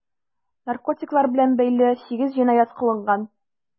Наркотиклар белән бәйле 8 җинаять кылынган.